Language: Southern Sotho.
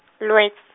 Lwet- .